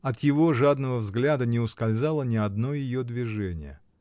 От его жадного взгляда не ускользало ни одно ее движение.